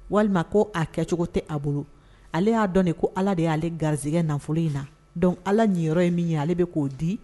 Walima ko a kɛcogo tɛ a bolo ale y'a dɔn de ko ala de y'ale garisɛgɛ nafolo in na dɔn ala nin yɔrɔ ye min ye ale bɛ k'o di